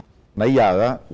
nãy giờ á